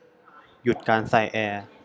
หยุดการส่ายแอร์